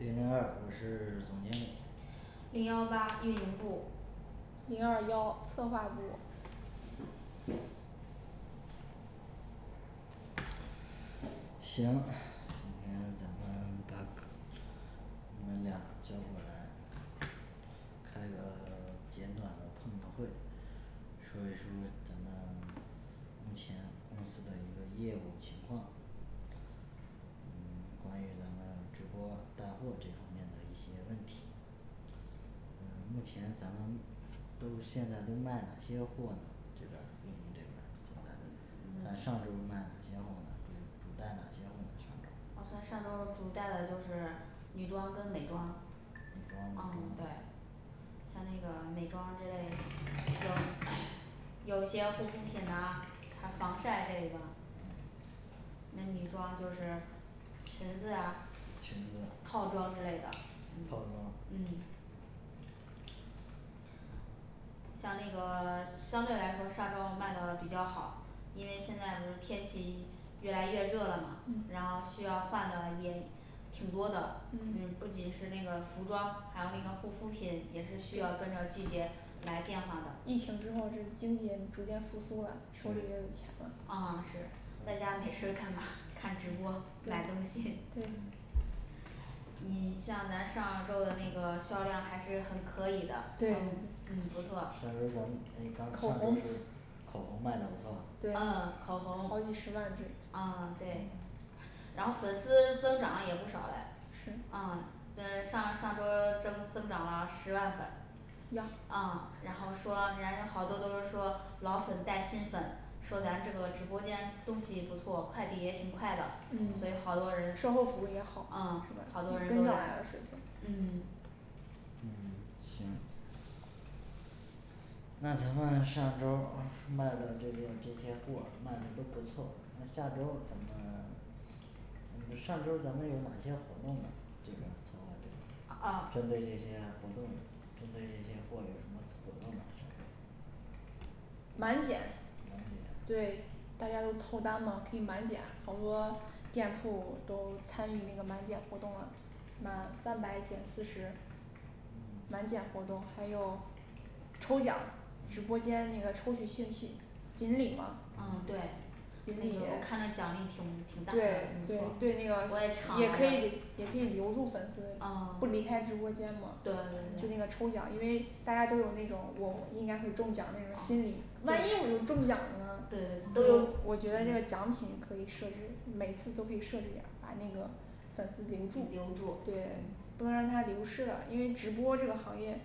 零零二我是 总经理零幺八运营部零二幺策划部行 今天咱们把个 你们俩叫过来开一个 简短的碰头儿会 说一说咱们 目前公司的一个业务情况嗯关于咱们直播带货这方面的一些问题嗯目前咱们都现在都卖哪些货呢这边儿运营这边儿现在咱嗯上周儿卖哪些货呢主主带哪些货呢上周儿啊咱上周儿主带了都是女装跟美妆女装嗯美对妆像那个美妆之类的有 有些护肤品呐还有防晒这个嗯那女装就是裙子啊裙子套装之类的嗯套装嗯像那个 相对来说上周卖的比较好因为现在不是天气越来越热了嘛嗯然后需要换到那些挺多的嗯不嗯仅是那个服装还有那个嗯护肤品，也是需要跟着季节来变化的疫情之后这是经济也逐渐复苏了手里也有对钱了啊是在家没事儿看看看直播买东对西嗯对你像咱上周儿的那个销量还是很可以的啊对对对嗯不错上周儿咱那口刚看的红是口红卖的不错对嗯口红好几十万支啊对嗯然后粉丝增长了也不少嘞是啊在上上周增增长了十万粉呀啊然后说人家都好多都是说老粉带新粉说咱嗯这个直播间东西不错，快递也挺快的所以嗯好多人售后服务也好啊是好多吧人都来了嗯嗯行那咱们上周儿 卖的这个这些货卖的都不错那下周儿咱们那么上周儿咱们有哪些活动呢这边儿策划这边儿啊啊针对这些活动的针对这些货有什么活动呢销售满减满减对大家都凑单嘛可以满减好多店铺都参与那个满减活动了满三百减四十嗯满减活动还有抽奖直播嗯间那个抽取信息 锦鲤嘛锦鲤嗯对对嗯对对就那个那我看着奖励挺挺大的不错个我也也可抢来以着也可以留住粉丝啊不离开直播间嘛对就那个嗯抽奖因为大家都有那种我应该会中奖啊那种就是心理对万一我就对中奖了呢都有我我觉得这个奖嗯品可以设置每次都可以设置点儿把那个粉丝留留住住对不能让他流失了因为直播这个行业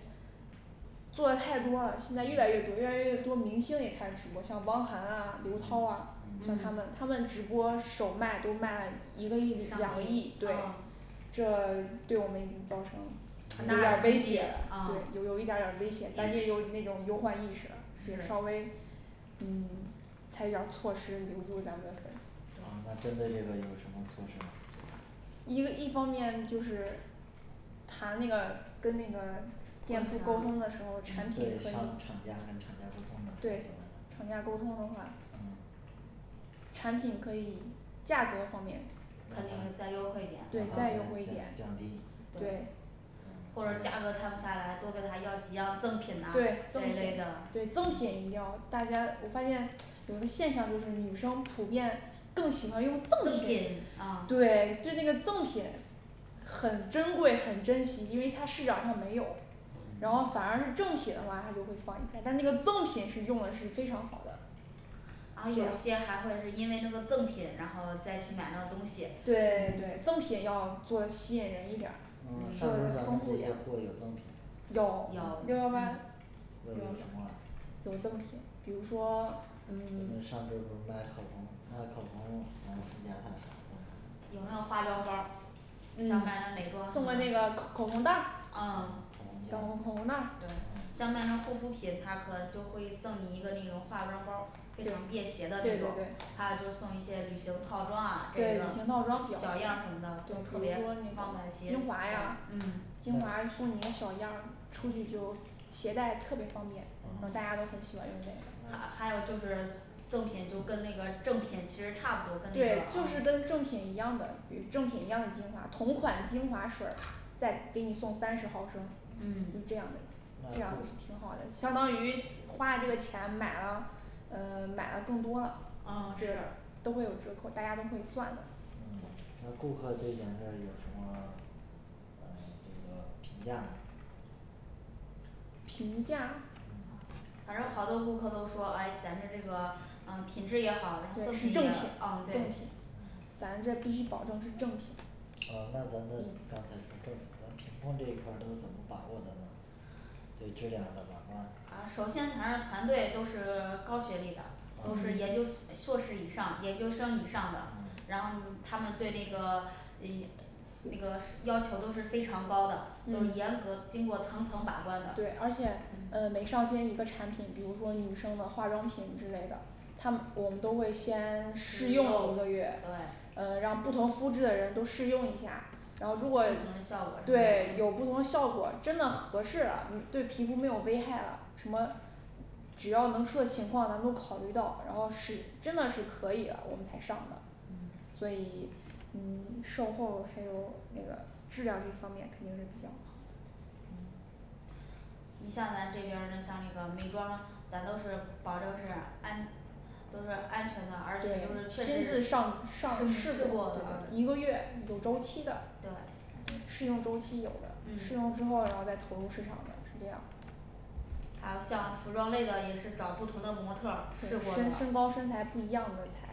做的太多了现在越来越多越来越多明星也开始直播像汪涵嗯啊刘涛啊就像嗯他们他们直播首卖都卖一个亿两上个亿亿对啊这对我们已经造成了很大有点儿的威威胁胁啊对有一点点儿威胁，咱也有那种忧患意识了也稍微嗯嗯采取点儿措施留住咱们的粉啊丝那针对这个有什么措施吗这边儿一个一方面就是谈那个跟那个店铺沟通的时候，产品对可以商厂家跟厂家沟通的怎对么怎么样厂家沟通方法嗯产品可以价格方面那就是再优惠点那对咱再再优惠点降低对或者嗯价格对谈不下来，多给他要几样对赠赠品品呐对这一类的赠品一定要大家我发现有个现象就是女生普遍更喜欢用赠赠品品啊对就那个赠品很珍贵，很珍惜，因为它市场上没有然后嗯反而是正品的话，她就会放一开但那个赠品是用的是非常好的啊这有样些还会是因为那个赠品然后再去买那东西对对赠品要做吸引人一点儿嗯上周儿对咱丰们富这些点儿货有赠品吗有嗯六幺八有都有什么啊有赠品比如说咱们上嗯周儿不是卖口红卖口红咱附加他啥赠品有那个化妆包儿嗯像卖那美妆什送个么那个口红袋儿嗯啊口小的口红红袋袋儿儿对啊像卖那护肤品它可能就会赠你一个那种化妆包儿非常便携的对对那种对还有就是送一些旅行套装啊什对旅行套么装对比的如小样儿什么都特别说那方个便携带什精么华呀嗯的精华送你个小样儿出去就携带特别方便大嗯家都特喜欢用那个呃还有就是赠品都跟那个正品其实差不多跟那个对呃就是跟正品一样的与正品一样的精华同款精华水儿再给你送三十毫升你这嗯样嗯那这对样是挺好的相当于花了这个钱买了呃买了更多了嗯是都会有折扣大家都可以算的嗯那顾客对咱这儿有什么嗯就是说评价呢评价嗯反正好多顾客都说哎咱这儿这个呃品质也好还对都赠是品什正么品的，啊对正品嗯咱这儿必须保证是正品啊那咱的嗯刚才说正品那品控这一块儿都怎么把握的呢对质量的把关啊首先咱这团队都是 高学历的嗯嗯都嗯是研究硕士以上研究生以上的嗯然后他们对那个诶那个要求都是非常高的有严嗯格经过层层把关的对而且呃每上新一个产品，比如说女生的化妆品之类的他们我们都会先试试用一用个对月呃让不同肤质的人都试用一下然不同的效后如果果什么对有不同的效的果真的合适了对皮肤没有危害了什么只要能出的情况咱们都考虑到，然后是真的是可以了我们才上的所以嗯售后还有那个质量这方面肯定是比较好的。嗯你像咱这边儿就像那个美妆，咱都是保证是安都是安全的而且都是对确亲自实上上，是试试过过的了对对一个嗯月有周期的对试嗯用周期有的试用之嗯后，然后再投入市场的是这样还有像服装类的也是找不同的模特儿，试过的身身高身材嗯不一样的才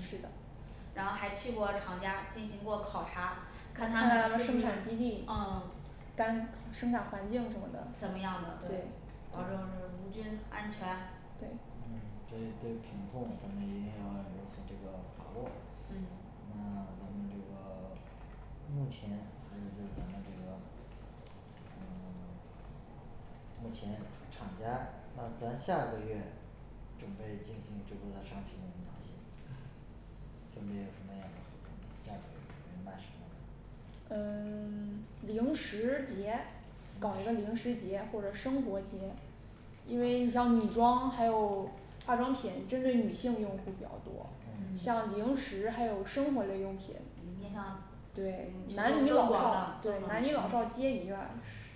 试的然后还去过厂家进行过考察看看他们是不生是产基地嗯干生产环境什么怎么样的的对对保证就是无菌安全对嗯对对品控咱们一定要有所这个把握嗯那咱们这个 目前还有就是咱们这个嗯 目前厂家那咱下个月准备进行直播的商品有哪些分别有什么样的活动呢，下个月准备卖什么呢嗯 零食节搞一个零零食食节或者生活节因为你像女装还有化妆品针对女性用户比较多你嗯像零食还有生活类用品你像对男女老少对男女老少皆宜了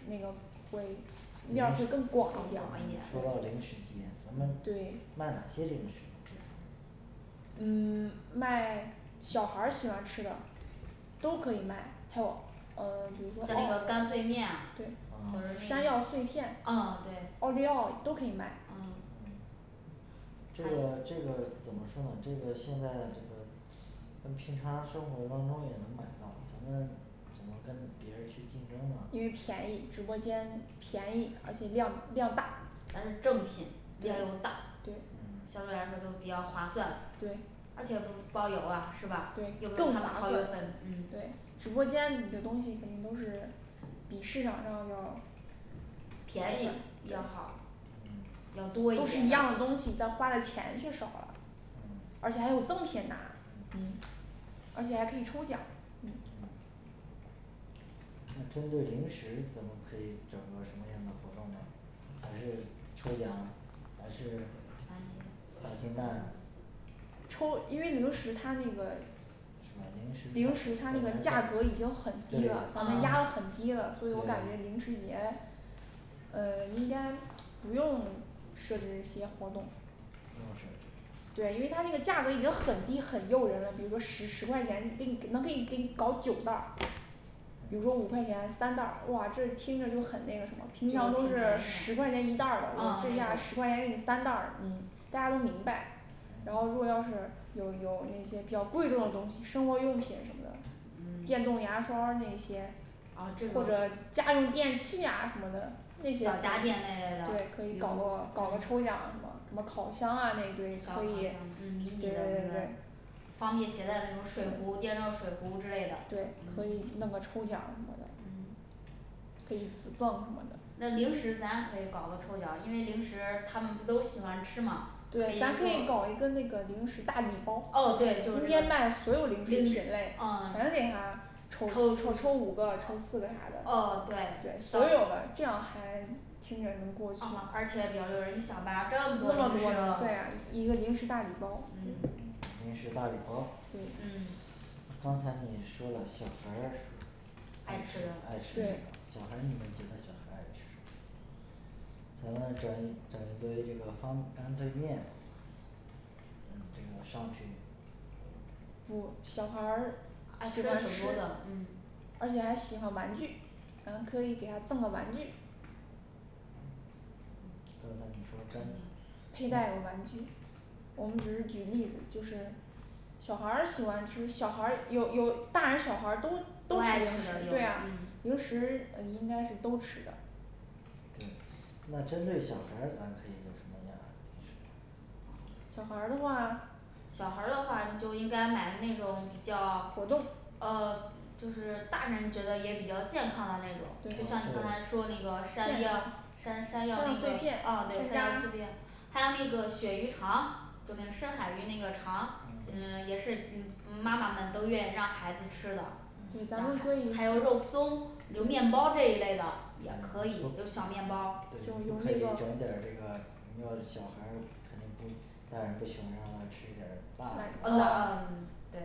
那个会零食嗯那样会更广一点儿说到零食节咱们对卖哪些零食呢这方面嗯 卖小孩儿喜欢吃的都可以卖还有嗯比如说对像山那个干脆面啊药脆片嗯对奥利奥都可以卖嗯嗯这个还这个怎么说呢这个现在这个咱们平常生活当中也能买到咱们怎么跟别人儿去竞争呢因为便宜直播间便宜而且量量大还是正品量又大对嗯相对来说都比较划算对而且不 包邮啊是吧对又就不更用他们划掏算邮费对嗯直播间里的东西肯定都是比市场上要便宜要好嗯要多一都是点一样的的东西但花的钱却少了嗯而且还有赠品呢嗯嗯而且还可以抽奖嗯嗯那针对零食咱们可以整个什么样的活动呢还是抽奖还是砸砸金金蛋蛋抽因为零食它那个是吧零零食食它它那本本个来在价格已对经咱很们低对了咱们压得很低了所以我感觉零食也呃应该不用设置一些活动不用设置对因为它那个价格已经很低很诱人了，比如说十十块钱能给你能给你给你搞九袋儿比如说五嗯块钱三袋儿，哇这听着就很那个什么平常都是十块钱一袋儿的我这啊下十块钱给你三袋儿了嗯大家都明白然后如嗯果要是有有那些比较贵重的东西，生活用品什么的电动嗯牙刷儿那些啊这或个者家用电器啊什么的那些小家可以电那对类的可以搞个搞个抽奖啊什么什么烤箱小烤啊箱迷那一堆可以你的那对对对对对个方便携带这种水壶电热水壶之类的嗯对可以弄个抽奖什么的可以附赠什么的那零食咱也可以搞个抽奖，因为零食他们不都喜欢吃吗对咱可以搞一个那个零食大礼包噢就是对就是今天卖那的个所有零食品类全嗯给他抽抽抽抽五个抽四个啥的哦对对所有的这样还听着能过去哦而且好多人想吧这么多零对呀食一个零食大礼包零食大礼包对嗯刚才你说了小孩儿爱爱吃吃爱吃什么对，小孩儿你们觉得小孩爱吃什么咱们整一整一堆这个方干脆面嗯这个上去不小孩儿爱喜吃的欢还有挺吃多的嗯，而且还喜欢玩具咱可以给他赠个玩具嗯刚才你说配干带个玩具我们只是举例子就是小孩儿喜欢吃，小孩儿有有大人小孩儿都都都吃爱零吃食对的啊零食应该是都吃的对那针对小孩儿咱可以有什么样的零食小孩儿的话，小孩儿的话你就应该买那种叫呃果冻呃就是大人觉得也比较健康的那种，就像你刚才哦对对说那个山药山山山药那个药碎片，，啊对，山山药楂碎片还有那个鳕鱼肠就那个深海鱼那个肠嗯嗯也是嗯妈妈们都愿意让孩子吃的对咱嗯们可以还有肉松有面包这一类的嗯不对你不可以也可以有小面包就儿有那个整点儿这个你要小孩儿肯定不大人不喜欢让他吃一点儿辣的是嗯吧嗯对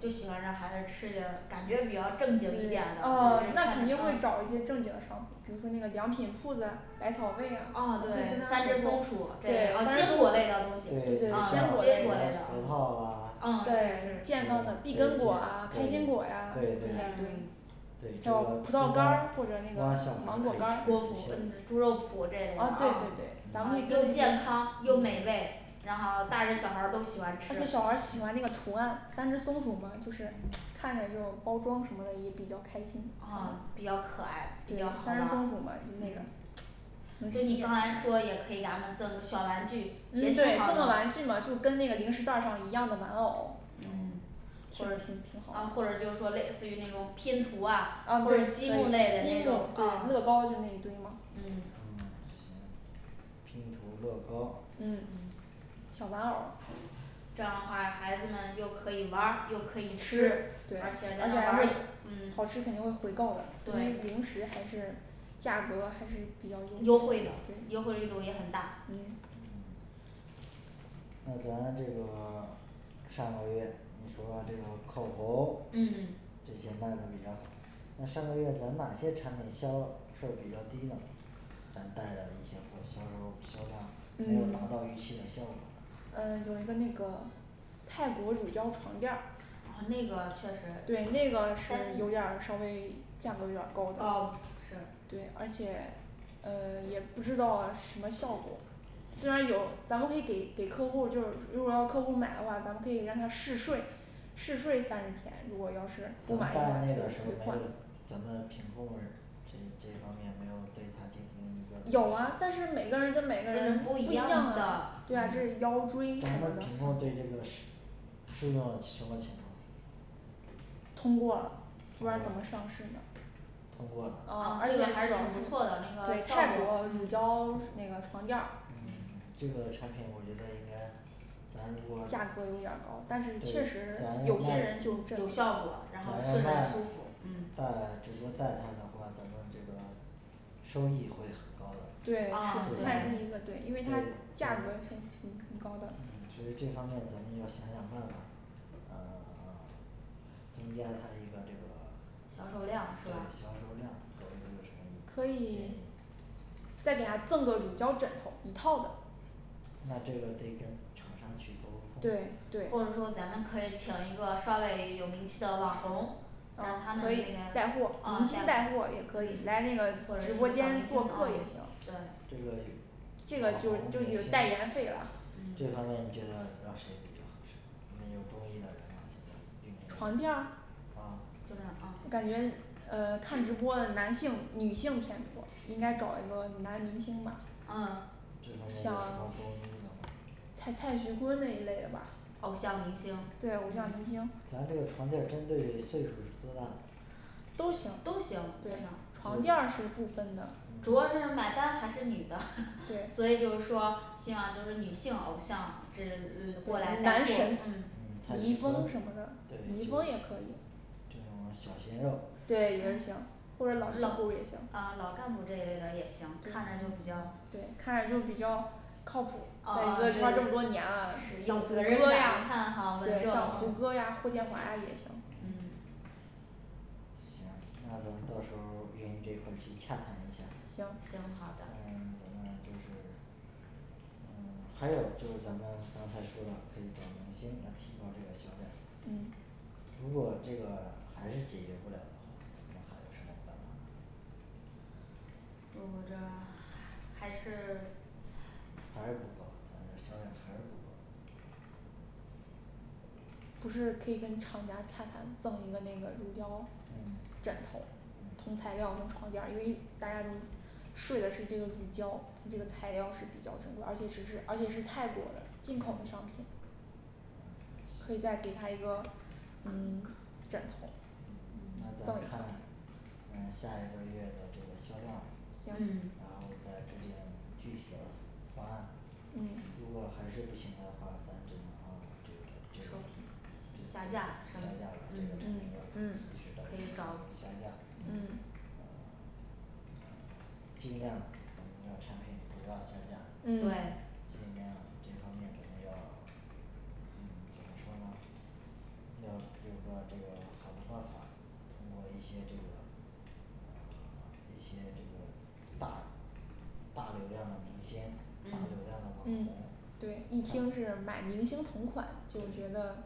就喜欢让孩子吃点儿感觉比对较正经一点儿的就嗯是那看肯定会找一嗯些正经商品比如说那个良品铺子百草味啊咱啊可以跟对他三只们松合鼠作对三只松鼠那个对坚啊坚果果类类的东西对你嗯坚像果核类的核桃啊呃嗯的对对对对对对嗯健康的碧根果啊开心果呀那一堆对对这个哦葡葡萄萄干干儿儿或者那个让小孩芒果干儿儿可果以吃脯一些猪肉浦这个啊啊对对对然后又嗯又健康又美嗯味然后大人小孩儿都喜欢他吃就小孩儿喜欢那个图案三只松鼠嘛就是看着那种包装什么的也比较开心啊比对较可爱比较好玩三只松鼠嘛儿就那个没事，你嗯刚才说也可以咱们赠个小玩具嗯对赠个玩具嘛就跟那个零食袋儿上的一样的玩偶嗯哦或者啊或者就说类似于那种拼图啊啊对或可者以积积木木类的对那种乐高就嗯那一堆嘛嗯嗯行拼图乐高嗯嗯小玩偶儿这样的话孩子们又可以玩儿又可以吃吃对而而且且咱能玩还儿会嗯好吃肯定会回购的因为对零食还是价格还是比较优对惠的优惠力度也很大嗯嗯那咱这个上个月你说这个口红嗯这些卖的比较好那上个月咱哪些产品销售比较低呢咱带的那些货销售销量没有达嗯到预期的效果呢呃有一个那个泰国乳胶床垫儿啊那个确实对那个是有点稍微价格有点高高是对而且呃也不知道什么效果虽然有咱们可以给给客户儿，就是如果要客户儿买的话，咱们可以让他试睡试睡三十天如果要咱到那个时候儿是不买的话就就没算有了咱们品控部门儿这这方面没有对它进行一个有啊但是每个人跟每个人不不一一样样的的对呀这是腰咱们椎什么的品控对这个试 试用了什么情况通过了不知道怎么上市呢通过了啊而且还是挺不错的那个对效泰果国乳胶那个床垫儿嗯这个产品我觉得应该咱如价格果有点儿高，但是确实对咱要有些卖人就有效果往然后还睡外卖着带舒服嗯直播带它的话咱们这个收益会很高的，这对方面啊是会咱卖出去一个对因为它价格是很很高的嗯所以这方面咱们要想想办法呃 增加它一个这个销售对量是吧销售量各可位都有什么议以建议再给他赠个乳胶枕头一套的那这个得跟厂商去沟对通对或者说咱们可以请一个稍微有名气的网红让他啊们可这以些啊找带明货明星星啊带货也可以来那个直播间做客也行对这这个个网就红就有代言费了这方嗯面你觉得让谁比较合适你们有中意的人吗这边儿运营床这垫边儿儿对啊我啊感觉呃看直播的男性女性偏多应该找一个男明星吧啊这方面有什么像中意的吗蔡蔡徐坤那一类的吧偶像明星对偶像明星咱这个床垫针对嘞岁数儿是多大的都都行行对床垫儿是不分的主要嗯是买单还是女的 所以对就是说希望就是女性偶像就是嗯过来男带货神，嗯嗯蔡李易徐坤峰什么的李易对峰也就可以是这种小鲜肉对也行嗯或者老干部也行对啊老干部这一类的也行看着就比较对看着就比较靠谱儿啊在啊一有责任个圈儿这么多年了，像胡感了，嗯歌呀霍建华呀也行嗯嗯行那咱到时候儿运营这块儿去洽谈一下儿行行好那咱们的就是嗯 还有就是咱们刚才说了可以找明星来提高这个销量嗯如果这个还是解决不了的话咱们还有什么办法呢就我这还 是 还是不高咱的销量还是不高不是可以跟厂家洽谈嘛放一个那个乳胶嗯枕头嗯同嗯材料儿充点儿，因为大家都睡的是这个乳胶，它这个材料儿是比较正宗而且只是而且是泰国的进口的商品嗯可以再给他一个嗯枕头嗯 那咱看嗯下一个月的这个销量然后行嗯再制定具体的方案如嗯果还是不行的话咱只能这个这个下下架架了了这个产品没有及时嗯的进行下架嗯嗯 尽量咱们的产品不要下架，嗯对尽量这方面咱们要嗯怎么说呢要比如说这个好的办法，通过一些这个呃 一些这个大大流量的明星，大流量的网嗯嗯红对一听是买明星同款就觉得